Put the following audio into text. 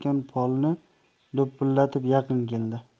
polni do'pillatib yaqin keldi